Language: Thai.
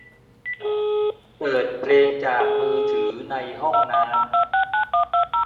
เปิดเพลงจากมือถือในห้องน้ำ